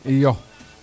iyo